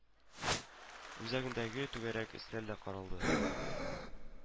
Үзәгендәге түгәрәк өстәл дә каралды